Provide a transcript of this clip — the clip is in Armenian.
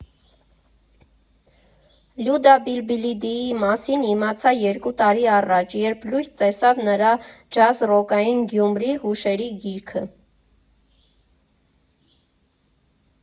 Լյուդա Բիլբիլիդիի մասին իմացա երկու տարի առաջ, երբ լույս տեսավ նրա «Ջազ֊ռոքային Գյումրի» հուշերի գիրքը։